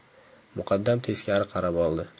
muqaddam teskari qarab oldi